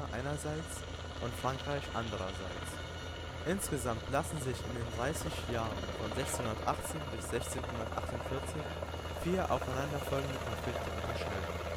einerseits und Frankreich andererseits. Insgesamt lassen sich in den 30 Jahren von 1618 bis 1648 vier aufeinanderfolgende Konflikte unterscheiden